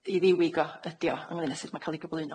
i ddiwyg o ydi o, ynglŷn â sud ma'n ca'l ei gyflwyno.